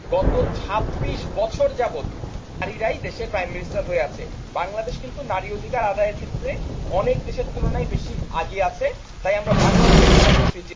গত 26 বছর যাবত নারী দেশে প্রাইম মিনিস্টার হয়েছে বাংলাদেশ কিন্তু নারী অধিকার আদায়ের ক্ষেত্রে অনেক দেশের তুলনায় বেশ এগিয়ে আছে তাই আমরা বাংলাদেশের জন্য একটা থ্রি